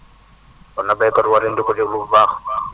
kon nag baykat yi war nañu di ko déglu bu baax